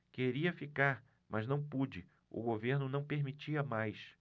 queria ficar mas não pude o governo não permitia mais